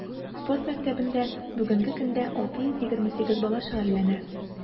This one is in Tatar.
Спорт мәктәбендә бүгенге көндә 628 бала шөгыльләнә.